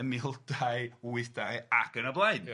...ym mil dau wyth dau ac yn y blaen. Ia.